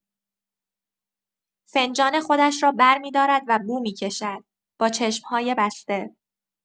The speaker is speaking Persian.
فنجان خودش را برمی‌دارد و بو می‌کشد، با چشم‌های بسته.